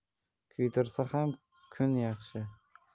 kuydirsa ham kun yaxshi